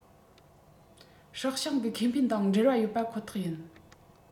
སྲོག ཤིང གི ཁེ ཕན དང འབྲེལ བ ཡོད པ ཁོ ཐག ཡིན